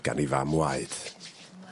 ...gan 'i fam waed.